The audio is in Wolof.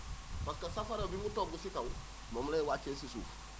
parce que safara bi mu togg si kaw moom lay wàccee si suuf